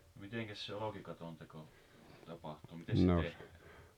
no mitenkäs se olkikatonteko tapahtui miten se tehdään